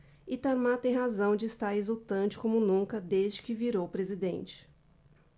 itamar tem razão de estar exultante como nunca desde que virou presidente